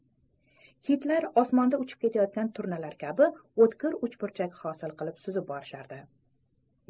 kitlar osmonda uchib ketayotgan turnalar kabi o'tkir uchburchak hosil qilib suzib borishar edi